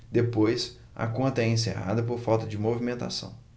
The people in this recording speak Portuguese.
depois a conta é encerrada por falta de movimentação